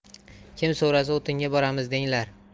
kim so'rasa o'tinga boramiz denglar